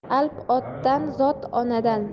alp otadan zot onadan